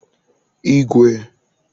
igwē